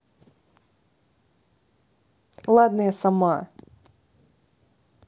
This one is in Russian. ладно я сама